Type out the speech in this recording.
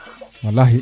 walahi